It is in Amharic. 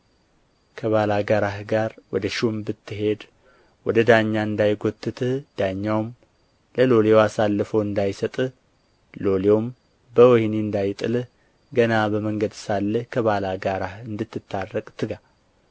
ከባላጋራህ ጋር ወደ ሹም ብትሄድ ወደ ዳኛ እንዳይጐትትህ ዳኛውም ለሎሌው አሳልፎ እንዳይሰጥህ ሎሌውም በወኅኒ እንዳይጥልህ ገና በመንገድ ሳለህ ከባላጋራህ እንድትታረቅ ትጋ